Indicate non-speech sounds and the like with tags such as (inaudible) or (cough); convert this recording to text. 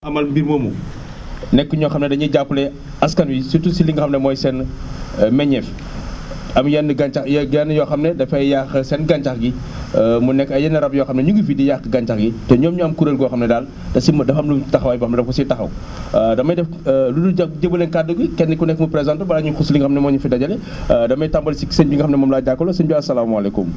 amal mbir moomu nekk ñoo xam ne dañuy jàppale askan wi surtout si li nga xam ne mooy seen (noise) meññeef (noise) am yenn gàncax yennn yoo xam ne dafay yàq seen gàncax gi (hesitation) mu nekk ay yenn rab yoo xam ne ñu ngi fi di yàq gàncax gi te ñoom ñu am kuréel goo xam ne daal da ci am dafa am luñ taxawaay boo xam ne dañ ko siy taxaw (noise) (hesitation) damay def (hesitation) ludul jébbal leen kaddu gi kenn ku nekk mu présenté balaa ñuy xuus si li nga xam ne moo ñu fi dajale % damay tàmbali si sëñ bi nga xam ne moom laa jàkkaarloo sëñ bi asalaamaalaykum